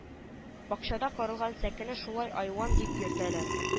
Бакчада корылган сәкене шулай айван дип йөртәләр